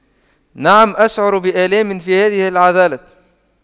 نعم أشعر بآلام في هذه العضلة